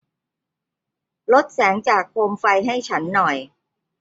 ลดแสงจากโคมไฟให้ฉันหน่อย